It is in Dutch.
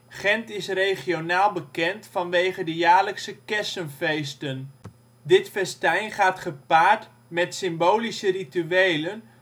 Gendt is regionaal bekend vanwege de jaarlijkse kersenfeesten. Dit festijn gaat gepaard met symbolische rituelen